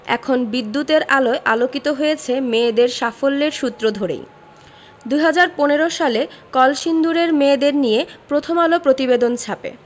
এখন বিদ্যুতের আলোয় আলোকিত হয়েছে মেয়েদের সাফল্যের সূত্র ধরেই ২০১৫ সালে কলসিন্দুরের মেয়েদের নিয়ে প্রথম আলো প্রতিবেদন ছাপে